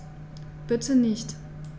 Bitte nicht.